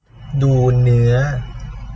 ดูเนื้อ